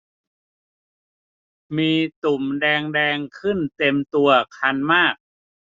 มีตุ่มแดงแดงขึ้นเต็มตัวคันมาก